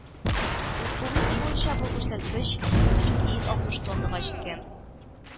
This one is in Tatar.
Республика буенча бу күрсәткеч мең ике йөз алтмыш тоннага җиткән